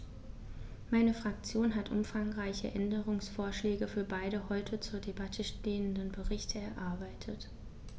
Meine Fraktion hat umfangreiche Änderungsvorschläge für beide heute zur Debatte stehenden Berichte erarbeitet.